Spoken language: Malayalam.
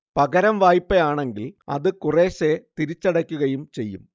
പകരം വായ്പയാണെങ്കിൽ അത് കുറേശേ തിരിച്ചടയ്ക്കുകയും ചെയ്യും